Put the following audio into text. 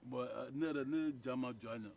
bon ne yɛrɛ ja ma jɔ a ɲɛ